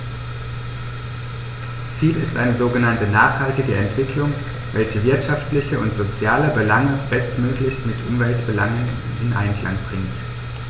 Ziel ist eine sogenannte nachhaltige Entwicklung, welche wirtschaftliche und soziale Belange bestmöglich mit Umweltbelangen in Einklang bringt.